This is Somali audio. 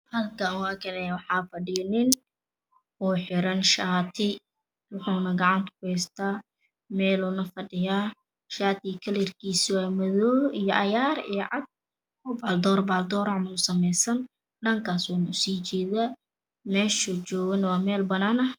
Halkan waxaa fa dhiyo nin oo xiran shaati wax uuna gacanta ku hayaa meel ayuuna fa dhiyaa shatiga kalarkiisa waa madoow iyo cagaar iyo cad baal dooro baaldooraana ku sawiran dhankasuna usiijeedaa meeshuu joogana waa meel banaan ah